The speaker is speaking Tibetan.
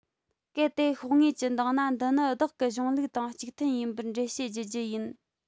གལ ཏེ ཤོག ངོས ཀྱི འདང ན འདི ནི བདག གི གཞུང ལུགས དང གཅིག མཐུན ཡིན པར འགྲེལ བཤད བགྱི རྒྱུ ཡིན